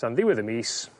tan ddiwedd y mis